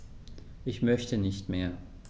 Ich möchte nicht mehr.